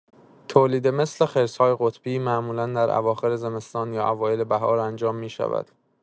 تولید مثل خرس‌های قطبی معمولا در اواخر زمستان یا اوایل بهار انجام می‌شود.